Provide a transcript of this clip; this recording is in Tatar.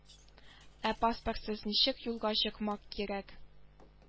Ә паспортсыз ничек юлга чыкмак кирәк